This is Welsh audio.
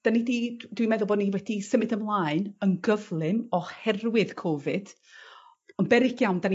'dan ni 'di d- dwi'n meddwl bod ni wedi symud ymlaen yn gyflym oherwydd Cofid. Ond beryg iawn 'dan ni